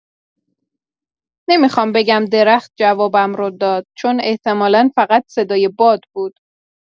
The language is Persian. نمی‌خوام بگم درخت جوابم رو داد، چون احتمالا فقط صدای باد بود.